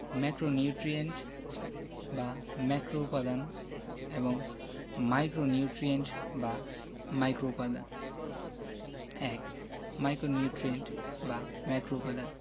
macronutrient বা ম্যাক্রোউপাদান এবং মাইক্রোনিউট্রিয়েন্ট বা মাইক্রোউপাদান ১ ম্যাক্রোনিউট্রিয়েন্ট বা ম্যাক্রোউপাদান